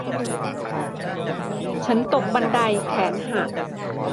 ฉันตกบันไดแขนหัก